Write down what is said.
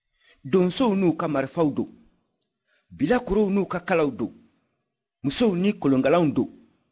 donsow n'u ka marifa don bilakorow n'u ka kalaw don musow ni kolonkala don